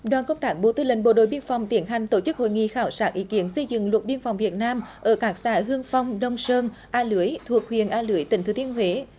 đoàn công tác bộ tư lệnh bộ đội biên phòng tiến hành tổ chức hội nghị khảo sát ý kiến xây dựng luật biên phòng việt nam ở các xã hương phong đông sơn a lưới thuộc huyện a lưới tỉnh thừa thiên huế